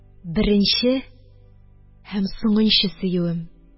Беренче һәм соңынчы сөюем.